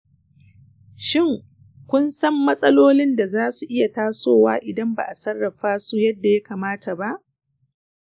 shin, kun san matsalolin da zasu iya tasowa idan ba a sarrafa su yadda ya kamata ba?